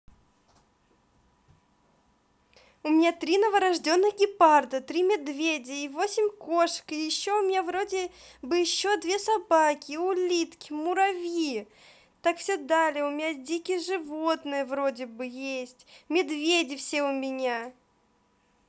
у меня три новорожденных гепарда три медведя и восемь кошек и еще у меня вроде бы еще две собаки улитки муравьи так все далее у меня дикие животные вроде бы есть медведи все у меня